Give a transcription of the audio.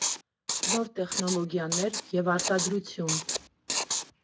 Նոր տեխնոլոգիաներ և արտադրություն։